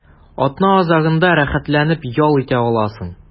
Атна азагында рәхәтләнеп ял итә аласың.